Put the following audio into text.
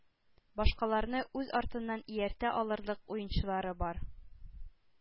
Башкаларны үз артыннан ияртә алырлык уенчылар бар.